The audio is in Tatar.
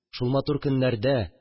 Шул матур көннәрдә